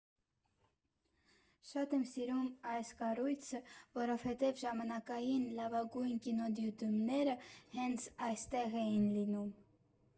Շատ եմ սիրում այս կառույցը, որովհետև ժամանակին լավագույն կինոդիտումները հենց այստեղ էին լինում։